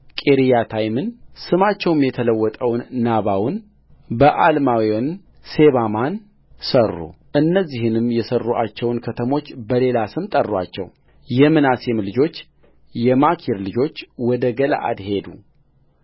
ቂርያታይምን ስማቸውም የተለወጠውን ናባውን በኣልሜዎንን ሴባማን ሠሩ እነዚህንም የሠሩአቸውን ከተሞች በሌላ ስም ጠሩአቸውየምናሴም ልጅ የማኪር ልጆች ወደ ገለዓድ ሄዱ